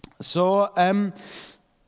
So, yym...